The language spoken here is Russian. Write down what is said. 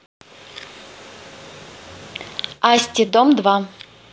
asti дом два